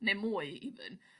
neu mwy even.